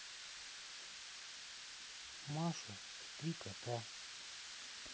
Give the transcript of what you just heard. маша и три кота